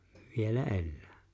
vielä elää